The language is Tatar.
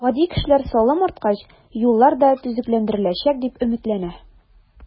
Гади кешеләр салым арткач, юллар да төзекләндереләчәк, дип өметләнә.